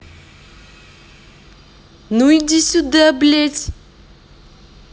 ну иди сюда блядь